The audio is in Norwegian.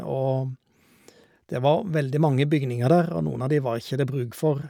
Og det var veldig mange bygninger der, og noen av de var ikke det bruk for.